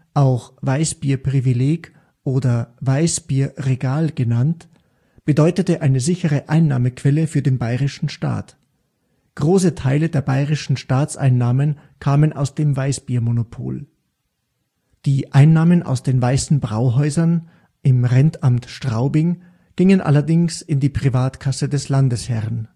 auch Weißbierprivileg oder Weißbierregal genannt) bedeutete eine sichere Einnahmequelle für den bayerischen Staat: Große Teile der bayerischen Staatseinnahmen kamen aus dem Weißbiermonopol. Die Einnahmen aus den Weißen Brauhäusern im Rentamt Straubing gingen allerdings in die Privatkasse des Landesherrn